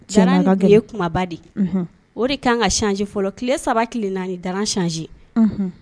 o de kan ka changer fɔlɔ, tile saba tile naani daran kan ka changer , unhun